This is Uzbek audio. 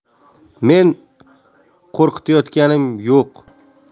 men qo'rqitayotganim yo'q